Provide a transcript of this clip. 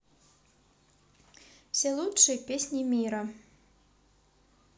все лучшие песни мира